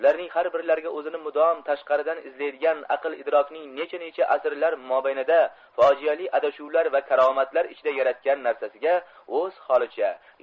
ulaming har birlariga o'zini mudom tashqaridan izlaydigan aql idrokning necha necha asrlar mobaynida fojeali adashuvlar va karomatlar ichida yaratgan narsasiga o'z holicha